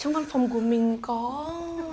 trong văn phòng của mình có